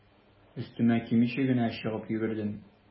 Өстемә кимичә генә чыгып йөгердем.